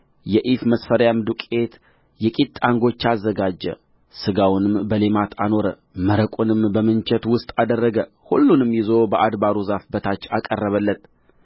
የኢፍ መስፈሪያም ዱቄት የቂጣ እንጎቻ አዘጋጀ ሥጋውን በሌማት አኖረ መረቁንም በምንቸት ውስጥ አደረገ ሁሉንም ይዞ በአድባሩ ዛፍ በታች አቀረበለት